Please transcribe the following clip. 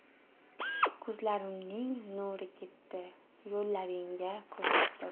ko'zlarimning nuri ketdi yo'llaringga ko'z tutib